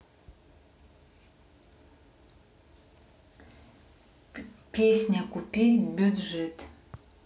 песня купить бюджет